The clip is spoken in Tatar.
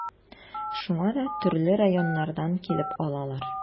Шуңа да төрле районнардан килеп алалар.